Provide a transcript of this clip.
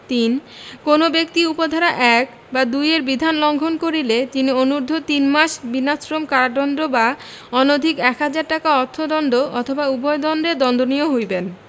৩ কোন ব্যক্তি উপ ধারা ১ বা ২ এর বিধান লংঘন করিলে তিনি অনূর্ধ্ব তিনমাস বিনাশ্রম কারাদন্ড বা অনধিক এক হাজার টাকা অর্থ দন্ড অথবা উভয় দণ্ডে দন্ডনীয় হইবেন